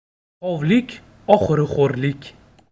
yalqovlik oxiri xo'rlik